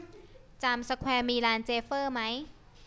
จามสแควร์มีร้านเจฟเฟอร์ไหม